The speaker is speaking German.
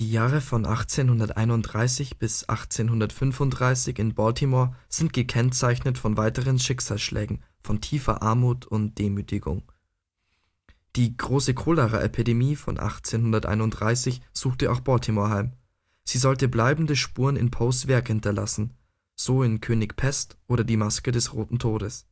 Jahre von 1831 bis 1835 in Baltimore sind gezeichnet von weiteren Schicksalsschlägen, von tiefer Armut und Demütigung. Die große Choleraepidemie von 1831 suchte auch Baltimore heim; sie sollte bleibende Spuren in Poes Werk hinterlassen (König Pest, Die Maske des Roten Todes